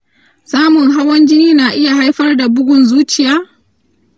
samun hawan jini na iya haifar da bugun zuciya?